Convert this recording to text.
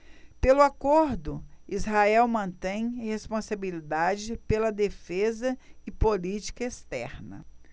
pelo acordo israel mantém responsabilidade pela defesa e política externa